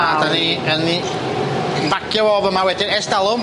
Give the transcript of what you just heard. A 'da ni yn i fagio fo fyma wedyn esdalwm